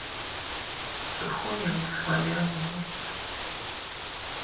сухое валяние